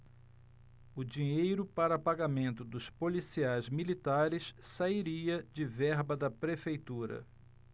o dinheiro para pagamento dos policiais militares sairia de verba da prefeitura